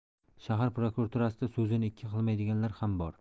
shahar prokuraturasida so'zini ikki qilmaydiganlar ham bor